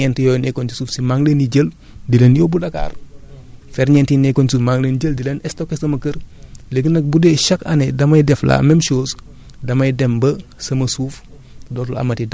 donc ferñent yooyu nekkoon ci suuf si maa ngi leen di jël di leen yóbbu Dakar ferñeent yi nekkoon ci suuf maa ngi leen di jël di leen stocké sama kër léegi nag bu dee chaque année damay def la même chose damay dem ba sama suuf